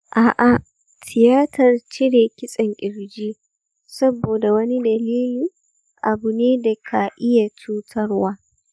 a’a, tiyatar cire kitsen ƙirji, saboda wani dalili, abu ne da ka iya cutarwa.